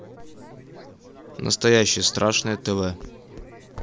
настоящее страшное тв